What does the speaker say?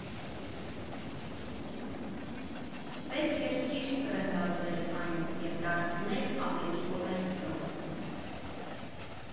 Պետք էր ճիշտ բրենդավորել այն և դարձնել ավելի կոմերցիոն։